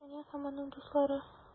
Д’Артаньян һәм аның дуслары.